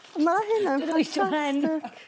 Ma' hynna'n .